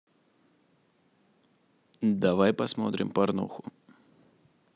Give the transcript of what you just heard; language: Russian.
давай посмотрим порнуху